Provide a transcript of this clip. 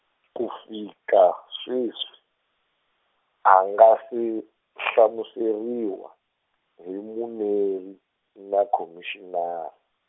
ku fika sweswi, a nga se hlaseriwa, vamuneri na khomixina-.